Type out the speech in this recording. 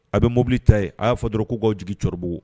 A bɛ mobili ta ye a y'a fɔ dɔrɔn kokaw jigi c cɛkɔrɔbabugu